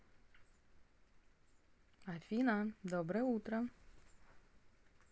афина доброе утро